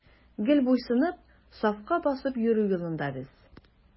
Гел буйсынып, сафка басып йөрү юлында без.